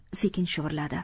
sekin shivirladi